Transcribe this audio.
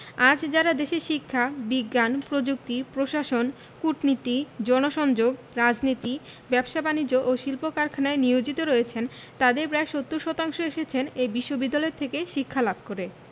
আজ যাঁরা দেশের শিক্ষা বিজ্ঞান প্রযুক্তি প্রশাসন কূটনীতি জনসংযোগ রাজনীতি ব্যবসা বাণিজ্য ও শিল্প কারখানায় নিয়োজিত রয়েছেন তাঁদের প্রায় ৭০ শতাংশ এসেছেন এ বিশ্ববিদ্যালয় থেকে শিক্ষালাভ করে